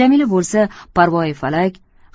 jamila bo'lsa parvoyifalak